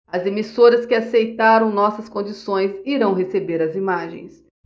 as emissoras que aceitaram nossas condições irão receber as imagens